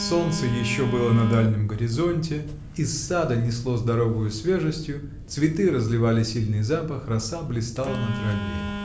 Солнце еще было на дальнем горизонте, из сада несло здоровою свежестью, цветы разливали сильный запах, роса блистала на траве.